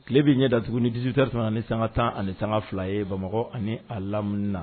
Kile b'i ɲɛ datugu ni 18:12 ye bamakɔ ani a lamini na.